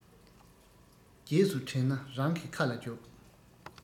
རྗེས སུ དྲན ན རང གི ཁ ལ རྒྱོབ